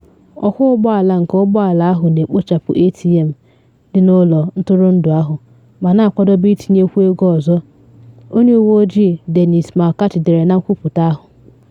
Ọkwọ ụgbọ ala nke ụgbọ ala ahụ na ekpochapụ ATM dị n’ụlọ ntụrụndụ ahụ ma na akwadobe itinyekwu ego ọzọ, Onye Uwe Ojii. Dennis McCarthy dere na nkwupute ahụ.